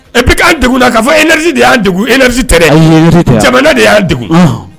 Et puis k'an degunna k'a fɔ ko énergie de y'an degun énergie tɛ dɛ, ayi énergie tɛ , jamana de y'an degun, unhun